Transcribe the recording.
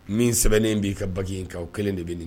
Min sɛbɛnnen b'i ka bague in kan o kelen de bɛ nin kan.